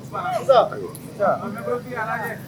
Sa